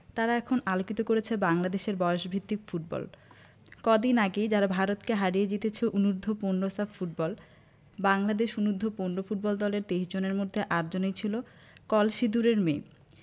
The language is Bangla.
তারা এখন আলোকিত করছে বাংলাদেশের বয়সভিত্তিক ফুটবল কদিন আগেই যারা ভারতকে হারিয়ে জিতেছে অনূর্ধ্ব ১৫ সাফ ফুটবল বাংলাদেশ অনূর্ধ্ব ১৫ ফুটবল দলের ২৩ জনের মধ্যে ৮ জনই ছিল কলসিদুরের মেয়ে